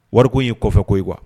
Wariko in ye kɔfɛ ko ye kuwa